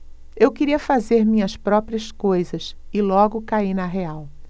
eu queria fazer minhas próprias coisas e logo caí na real